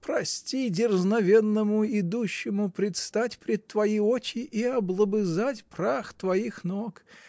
Прости дерзновенному, ищущему предстать пред твои очи и облобызать прах твоих ног!